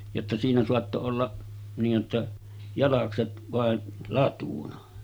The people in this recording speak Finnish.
jotta siinä saattoi olla niin jotta jalakset vain latuna